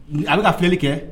Ale ka filɛli kɛ